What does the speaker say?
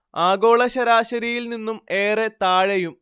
ആഗോള ശരാശരിയിൽ നിന്നും ഏറെ താഴെയും